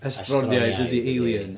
Estroniaid ydi aliens